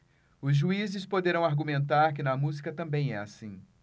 os juízes poderão argumentar que na música também é assim